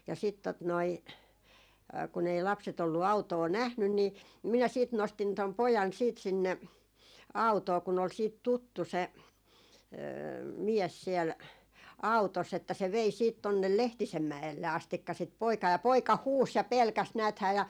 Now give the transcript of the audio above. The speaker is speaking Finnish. ja sitten tuota noin kun ei lapset ollut autoa nähnyt niin minä sitten nostin tuon pojan sitten sinne autoon kun oli sitten tuttu se mies siellä autossa että se vei sitten tuonne Lehtisen mäelle asti sitä poikaa ja poika huusi ja pelkäsi näethän ja